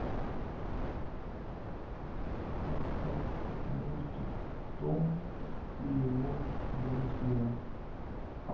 поставь мультик том и его друзья